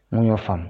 N' y'o faamu